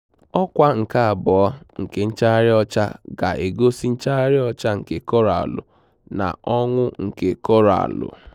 Ọkwá nke Abụọ nke nchagharị ọcha ga-egosi nchagharị ọcha nke Koraalụ na ọnwụ nke Koraalụ.